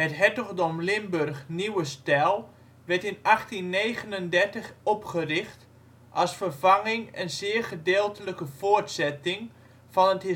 hertogdom Limburg -" nieuwe stijl " werd in 1839 opgericht als vervanging en zeer gedeeltelijke voortzetting van